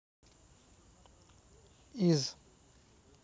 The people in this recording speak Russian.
из